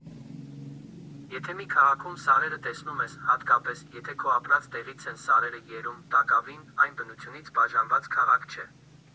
Եթե մի քաղաքում սարերը տեսնում ես, հատկապես, եթե քո ապրած տեղից են սարերը երևում, տակավին, այն բնությունից բաժանված քաղաք չէ։